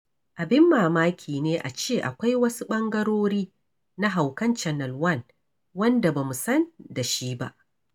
Abin mamaki ne a ce akwai wasu ɓangarori na haukan Channel One wanda ba mu san da shi ba.